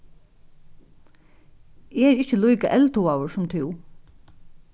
eg eri ikki líka eldhugaður sum tú